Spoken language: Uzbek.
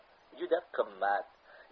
juda qimmat